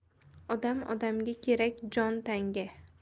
odam odamga kerak jon tanga